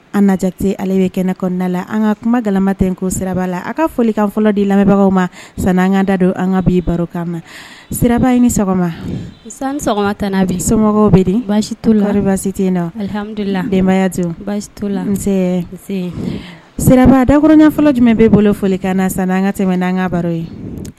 An ale bɛ kɛnɛ kɔnɔnada la an ka kuma gama tɛ ko siraba la an ka foli fɔlɔ de lamɛnbagaw ma san an ka da don an ka bi barokan na siraba ni sɔgɔma somɔgɔw bɛ baasitobaya siraba dakɔrɔnya fɔlɔ jumɛn bɛ bolo foli na an ka tɛmɛ an ka baro ye